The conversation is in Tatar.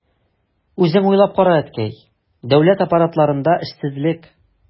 Үзең уйлап кара, әткәй, дәүләт аппаратларында эшсезлек...